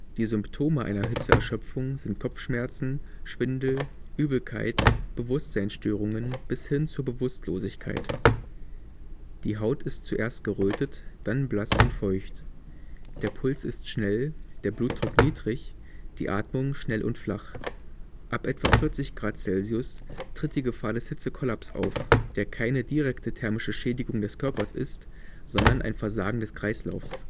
Die Symptome einer Hitzeerschöpfung sind Kopfschmerzen, Schwindel, Übelkeit, Bewusstseinsstörungen bis hin zur Bewusstlosigkeit. Die Haut ist zuerst gerötet, dann blass und feucht. Der Puls ist schnell, der Blutdruck niedrig, die Atmung schnell und flach. Ab etwa 40 °C tritt die Gefahr des Hitzekollaps auf, der keine direkte thermische Schädigung des Körpers ist, sondern ein Versagen des Kreislaufs